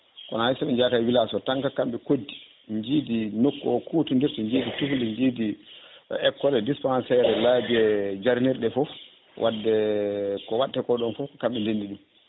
kono hay soɓe jeeyaka e village o tant que kamɓe koddi jiidi nokku o kutodirta jiidi * jiidi école e dispensaire e laabi e jarnirɗe e foof wadde ko wattako ɗon foof kamɓe ndendi ɗum